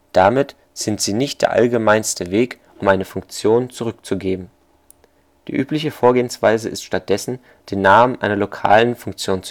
Damit sind sie nicht der allgemeinste Weg, um eine Funktion zurückzugeben. Die übliche Vorgehensweise ist stattdessen, den Namen einer lokalen Funktion